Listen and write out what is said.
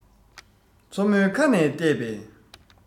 མཚོ མོའི ཁ ནས ལྟས པས